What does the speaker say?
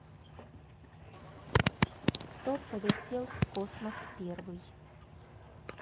кто полетел в космос первый